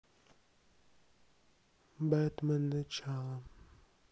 бэтмен начало